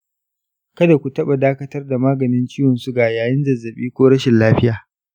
kada ku taɓa dakatar da maganin ciwon suga yayin zazzaɓi ko rashin lafiya.